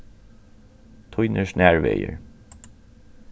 tínir snarvegir